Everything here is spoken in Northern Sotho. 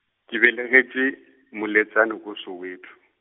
ke belegetšwe, Moletsane ko Soweto.